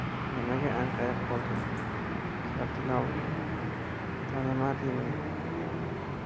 nimaga anqayib qolding kardinal tanimadingmi